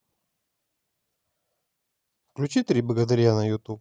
включи три богатыря на ютюб